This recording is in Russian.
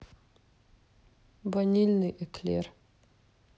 ванильный эклер